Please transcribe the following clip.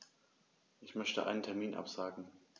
Ich möchte einen Termin absagen.